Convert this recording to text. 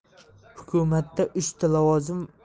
hukumatda uchta lavozim